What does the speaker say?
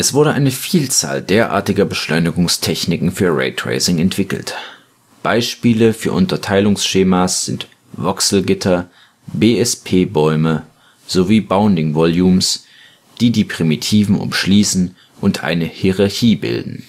wurde eine Vielzahl derartiger Beschleunigungstechniken für Raytracing entwickelt. Beispiele für Unterteilungsschemas sind Voxelgitter, BSP-Bäume sowie Bounding Volumes, die die Primitiven umschließen und eine Hierarchie bilden